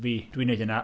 Fi. Dwi'n wneud hynna.